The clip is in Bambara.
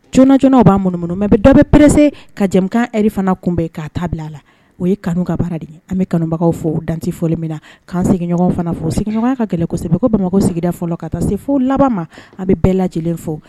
Jona jona u ba munumunu . Mais dɔw bi pressé ka jɛmukan heure fana kunbɛn ka ta bila a la. O ye kanu ka baara de ye. An ban kanubaga fo dan te fol min na. 'an seginɲɔgɔn foroɲɔgɔn ka kɛlɛsɛbɛbe ko bamakɔ sigida fɔlɔ ka taa se fo laban ma an bɛ bɛɛ lajɛlen fɔ